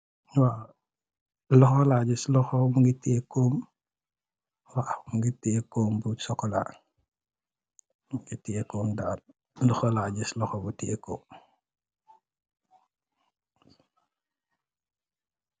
Lohokh bu teyeh kôôm bu socolàà